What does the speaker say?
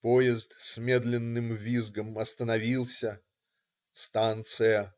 Поезд с медленным визгом остановился. Станция.